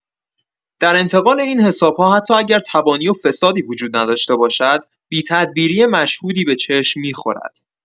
در انتقال این حساب‌ها حتی اگر تبانی و فسادی وجود نداشته باشد، بی‌تدبیری مشهودی به چشم می‌خورد.